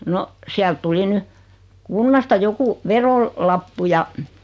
no sieltä tuli nyt kunnasta joku - verolappu ja